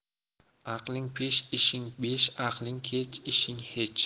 aqling pesh ishing besh aqling kech ishing hech